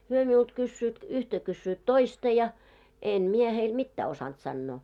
he minulta kysyvät yhtä kysyvät toista ja en minä heille mitään osannut sanoa